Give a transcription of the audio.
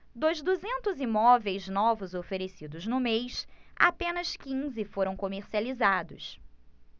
dos duzentos imóveis novos oferecidos no mês apenas quinze foram comercializados